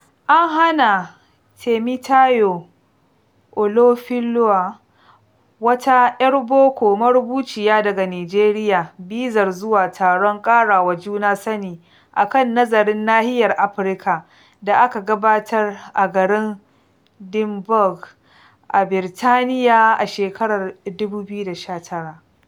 An hana Temitayo Olofinlua, wata 'yar boko marubuciya daga Nijeriya, bizar zuwa taron ƙarawa juna sani a kan nazarin nahiyar Afirka da aka gabatar a garin Edinburgh a Birtaniya a shekarar 2019.